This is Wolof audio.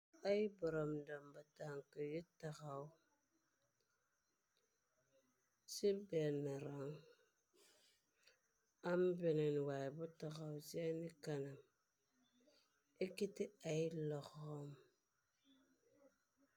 Ay boroom damba tank yu taxaw ci benn rang. Am beneen waay bu taxaw seeni kanam ekiti ay loxom.